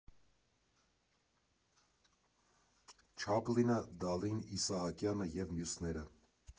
Չապլինը, Դալին, Իսահակյանը և մյուսները։